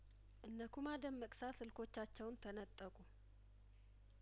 እነኩማ ደመቅሳ ስልኮቻቸውን ተነጠቁ